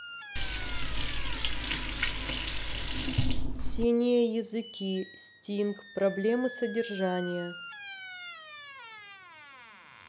синие языки стинг проблемы содержания